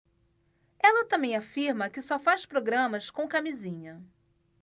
ela também afirma que só faz programas com camisinha